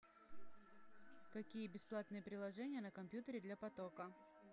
какие бесплатные приложения на компьютере для потока